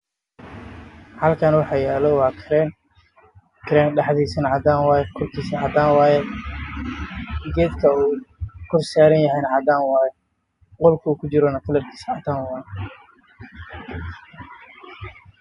Waa kareen cadaan oo saaran geed cadaan waxaa